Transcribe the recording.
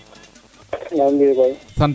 nan mbiyu koy